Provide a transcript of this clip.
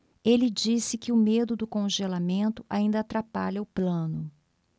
ele disse que o medo do congelamento ainda atrapalha o plano